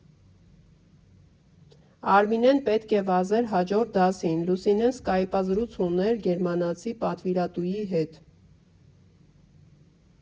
Արմինեն պետք է վազեր հաջորդ դասին, Լուսինեն սկայպազրույց ուներ գերմանացի պատվիրատուի հետ։